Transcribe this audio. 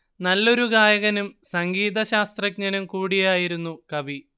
നല്ലൊരു ഗായകനും സംഗീതശാസ്ത്രജ്ഞനും കൂടിയായിരുന്നു കവി